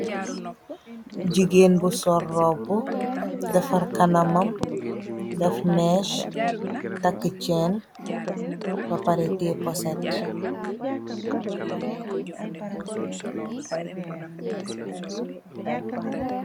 Gigain bu sol rohbu, defarr kanamam, def meeche, takue chaine, beh pareh tiyeh porset.